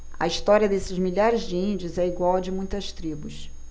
a história desses milhares de índios é igual à de muitas tribos